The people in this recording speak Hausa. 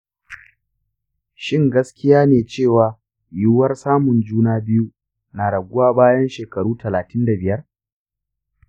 shin gaskiya ne cewa yiwuwar samun juna biyu na raguwa bayan shekaru talatin da biyar?